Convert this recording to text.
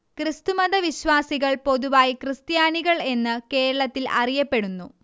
ക്രിസ്തുമത വിശ്വാസികൾ പൊതുവായി ക്രിസ്ത്യാനികൾ എന്ന് കേരളത്തിൽ അറിയപ്പെടുന്നു